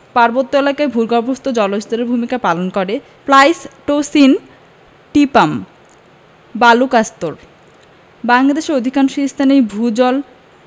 পার্বত্য এলাকায় ভূগর্ভস্থ জলস্তরের ভূমিকা পালন করে প্লাইসটোসিন টিপাম বালুকাস্তর বাংলাদেশের অধিকাংশ স্থানেই ভূ জল